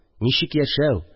Ничек яшәү